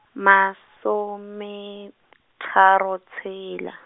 masometharo tshela.